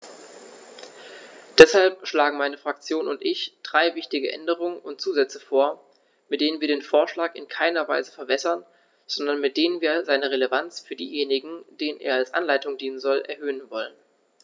Deshalb schlagen meine Fraktion und ich drei wichtige Änderungen und Zusätze vor, mit denen wir den Vorschlag in keiner Weise verwässern, sondern mit denen wir seine Relevanz für diejenigen, denen er als Anleitung dienen soll, erhöhen wollen.